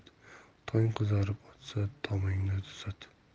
tong qizarib otsa tomingni tuzat